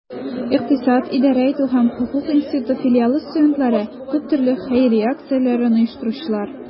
Икътисад, идарә итү һәм хокук институты филиалы студентлары - күп төрле хәйрия акцияләрен оештыручылар.